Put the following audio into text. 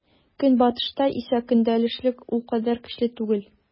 Көнбатышта исә көндәшлек ул кадәр көчле түгел.